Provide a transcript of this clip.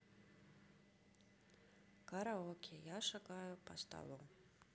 караоке я шагаю по столу